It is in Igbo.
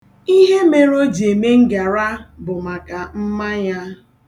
Ihe mere o ji eme ngara bụ maka mma ya.